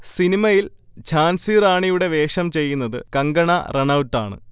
സിനിമയിൽ ഝാൻസി റാണിയുടെ വേഷം ചെയ്യുന്നത് കങ്കണ റണൗട്ടാണ്